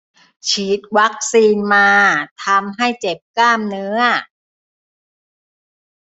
ฉีดวัคซีนมาทำให้เจ็บกล้ามเนื้อ